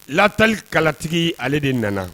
Latal Kalatigi ale de nana